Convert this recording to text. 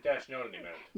mitäs ne oli nimeltä